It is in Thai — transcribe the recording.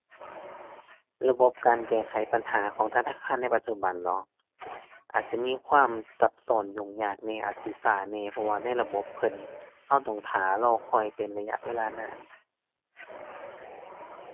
ระบบการแก้ไขปัญหาของธนาคารในปัจจุบันเหรอ อาจจะมีความซับซ้อนยุ่งยากแหน่ อาจสิช้าแหน่ เพราะว่าในระบบเพิ่นช้าต้องท่ารอคอยเป็นระยะเวลานาน